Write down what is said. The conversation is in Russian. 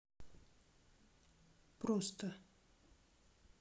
просто